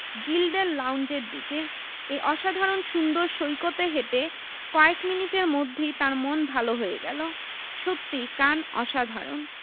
গিল্ডের লাউঞ্জের দিকে এই অসাধারণ সুন্দর সৈকতে হেঁটে কয়েক মিনিটের মধ্যেই তার মন ভালো হয়ে গেল সত্যিই কান অসাধারণ